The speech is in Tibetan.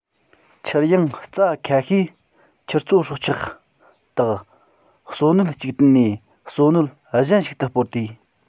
ཆུ གཡེང རྩྭ ཁ ཤས ཆུར འཚོ སྲོག ཆགས དག གསོ སྣོད ཅིག ནས གསོ སྣོད གཞན ཞིག ཏུ སྤོར དུས